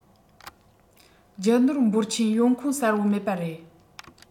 རྒྱུ ནོར འབོར ཆེན ཡོང ཁུངས གསལ པོ མེད པ རེད